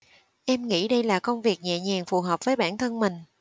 em nghĩ đây là công việc nhẹ nhàng phù hợp với bản thân mình